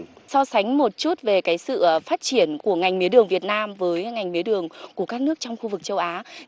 so sánh một chút về cái sự phát triển của ngành mía đường việt nam với ngành mía đường của các nước trong khu vực châu á